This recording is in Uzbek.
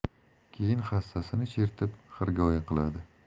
keyin hassasini chertib xirgoyi qiladi